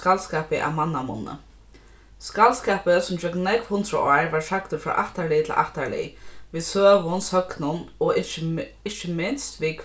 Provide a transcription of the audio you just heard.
skaldskapi av mannamunni skaldskapi sum gjøgnum nógv hundrað ár varð sagdur frá ættarliði til ættarlið við søgum søgnum og ikki ikki minst við